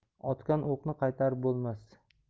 otgan o'qni qaytarib bo'lmas